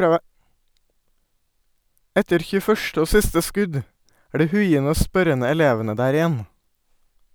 Etter 21. og siste skudd er de huiende og spørrende elevene der igjen.